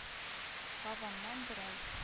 Гавамнан берәү